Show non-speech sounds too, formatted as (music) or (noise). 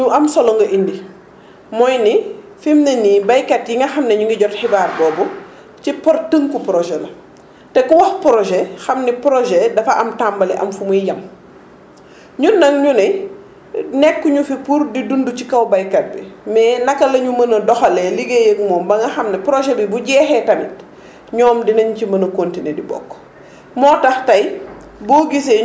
waaw xam nga tey lu am solo nga indi mooy ni fi mu ne nii béykat yi nga xam ne ñu ngi jot xibaar boobu ci par tënku projet la te ku wax projet xam ne projet dafa am tàmbali am fu muy yem ñun nag ñu ne nekkuñu fi pour di dund ci kaw béykat bi mais naka la ñu mën a doxalee liggéey ak moom ba nga xam ne projet bi bu jeexee tamit (breath) ñoom dinañ ci mën a continué di bokk (breath)